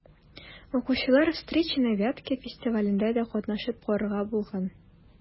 Укучылар «Встречи на Вятке» фестивалендә дә катнашып карарга булган.